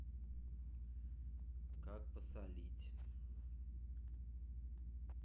как посолить